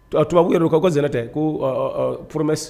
Tunbabu ko yɛrɛ ko ko n tɛ ko porome